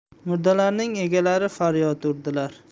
murdalarning egalari faryod urdilar